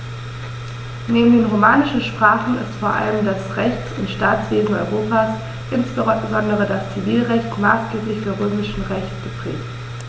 Neben den romanischen Sprachen ist vor allem das Rechts- und Staatswesen Europas, insbesondere das Zivilrecht, maßgeblich vom Römischen Recht geprägt.